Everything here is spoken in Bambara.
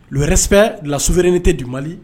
kosɛbɛ lasouryini tɛ di mali